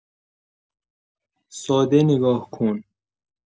ساده نگاه کن!